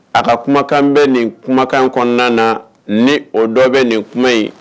A ka kumakan bɛ nin kumakan kɔnɔna na ni o dɔ bɛ nin kuma in